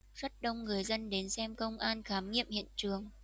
rất đông người dân đến xem công an khám nghiệm hiện trường